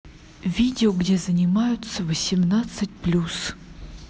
видео где занимаются восемнадцать плюс